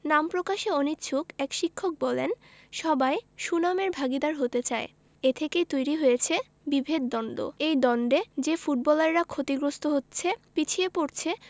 নাম প্রকাশে অনিচ্ছুক এক শিক্ষক বললেন সবাই সুনামের ভাগীদার হতে চায় এ থেকেই তৈরি হয়েছে বিভেদ দ্বন্দ্ব এই দ্বন্দ্বে যে ফুটবলাররা ক্ষতিগ্রস্ত হচ্ছে পিছিয়ে পড়ছে